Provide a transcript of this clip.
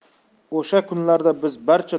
o'sha kunlarda biz barcha